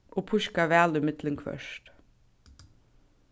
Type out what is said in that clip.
og píska væl ímillum hvørt